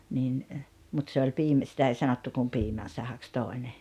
niin mutta se oli Piimä sitä ei sanottu kuin Piimän sahaksi toinen